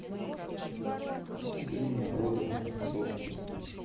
сын народа отцов